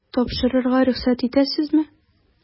Тапшырырга рөхсәт итәсезме? ..